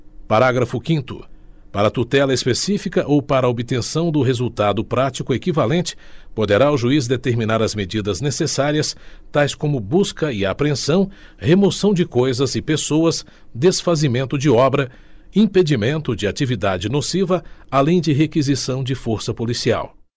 parágrafo quinto para a tutela específica ou para a obtenção do resultado prático equivalente poderá o juiz determinar as medidas necessárias tais como busca e apreensão remoção de coisas e pessoas desfazimento de obra impedimento de atividade nociva além de requisição de força policial